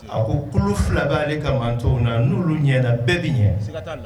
A ko fila bɛale ka to na n'olu ɲɛ bɛɛ bɛ ɲɛ